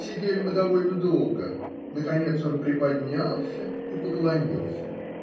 Сидели мы довольно долго; наконец он приподнялся и поклонился.